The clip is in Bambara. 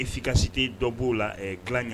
Nfiikasite dɔ b'o la